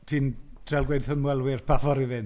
Ti'n trial gweud wrth ymwelwyr pa ffordd i fynd.